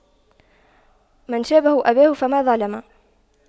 من شابه أباه فما ظلم